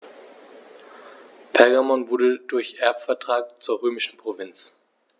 Pergamon wurde durch Erbvertrag zur römischen Provinz.